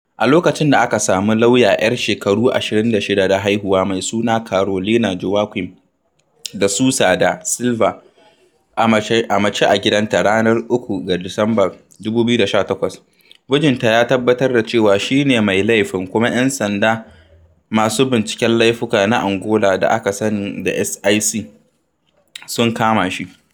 A lokacin da aka sami lauya 'yar shekaru 26 da haihuwa mai suna Carolina Joaquim de Sousa da Silva a mace a gidanta ranar 3 ga Disamba 2018, mijinta ya tabbatar da cewa shi ne mai laifin kuma 'yan sanda masu binciken laifuka na Angola da aka sani da SIC sun kama shi.